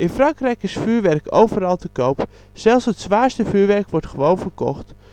Frankrijk is vuurwerk overal te koop, zelfs het zwaarste vuurwerk wordt gewoon verkocht